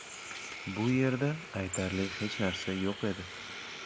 bu yerda aytarli hech narsa yo'q edi